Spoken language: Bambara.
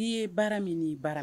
I'i ye baara min i baara ma